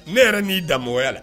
Ne yɛrɛ n'i dan mɔgɔya la